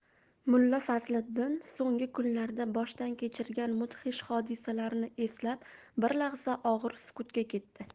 mulla fazliddin so'nggi kunlarda boshdan kechirgan mudhish hodisalarni eslab bir lahza og'ir sukutga ketdi